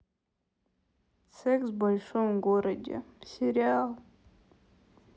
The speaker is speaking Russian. секс в большом городе сериал